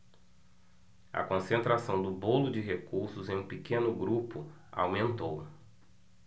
a concentração do bolo de recursos em um pequeno grupo aumentou